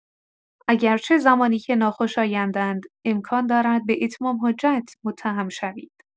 اگرچه زمانی که ناخوشایندند، امکان دارد به اتمام حجت متهم شوید.